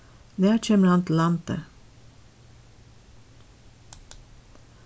nær kemur hann til landið